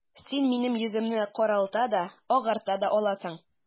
Син минем йөземне каралта да, агарта да аласың...